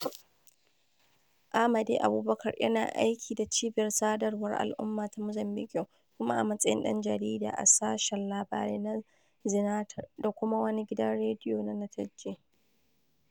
Amade Aoubacar yana aiki da Cibiyar Sadarwar Al'umma ta Mozambiƙue kuma a matsayin ɗan jarida a sashen labarai na Zitamar da kuma wani gidan rediyo na Nacedje.